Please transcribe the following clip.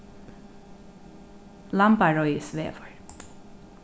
lambareiðisvegur